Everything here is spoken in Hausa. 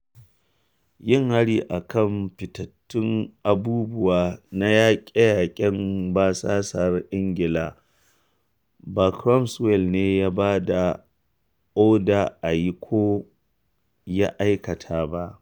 Yin hari a kan fitattun abubuwa na yaƙe-yaƙen basasar Ingila ba Cromwell ne ya ba da oda a yi ko ya aikata ba.